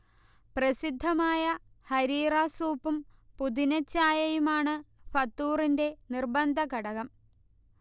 പ്രസിദ്ധമായ 'ഹരീറ' സൂപ്പും പുതിനച്ചായയുമാണ് ഫതൂറിന്റെ നിർബന്ധ ഘടകം